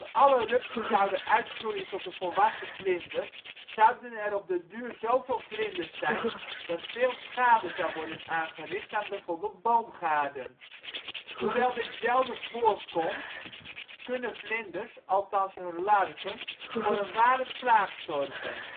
alle rupsen zouden uitgroeien tot een volwassen vlinder zouden er op den duur zo veel vlinders zijn dat veel schade zou worden aangericht aan bijvoorbeeld boomgaarden. Hoewel dit zelden voorkomt, kunnen vlinders, althans hun larven, voor een ware plaag zorgen